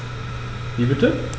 Wie bitte?